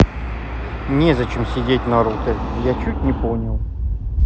не зачем сидеть наруто я чуть не понял